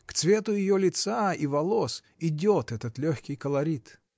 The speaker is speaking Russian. К цвету ее лица и волос идет этот легкий колорит.